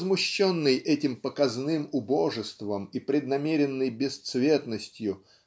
возмущенный этим показным убожеством и преднамеренной бесцветностью